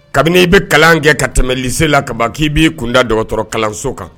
Kabini i bɛ kalan kɛ ka tɛmɛlise la kaban k'i b'i kunda dɔgɔtɔrɔ kalanso kan